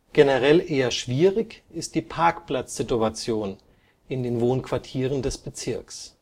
Generell eher schwierig ist die Parkplatzsituation in den Wohnquartieren des Bezirks